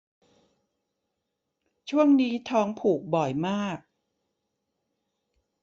ช่วงนี้ท้องผูกบ่อยมาก